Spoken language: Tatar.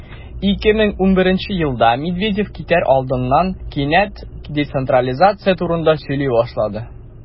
2011 елда медведев китәр алдыннан кинәт децентрализация турында сөйли башлады.